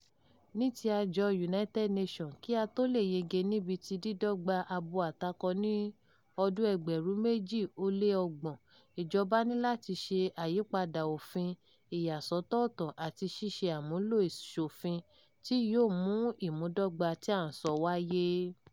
Ní ti àjọ United Nations, kí a tó lè yege níbi ti dídọ́gba abo atakọ ní ọdún-un 2030, ìjọba ní láti ṣe àyípadà òfin ìyàsọ́tọ̀ọtọ̀ àti ṣíṣe àmúlò ìṣòfin tí yóò mú ìmúdọ́gba tí à ń sọ wáyé.